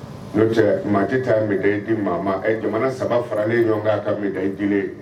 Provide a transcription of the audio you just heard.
N cɛ maa tɛ tɛ minɛ di maa jamana saba faralen ɲɔgɔn kan a ka minɛ jeli